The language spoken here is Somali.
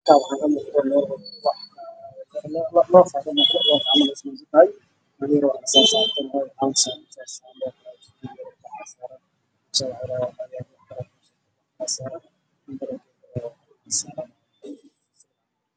Waa guri darbi cadaan sidii loofkii usamaysan leh